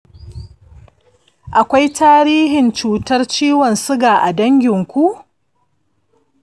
akwai tarihin cutan ciwon siga a danginku?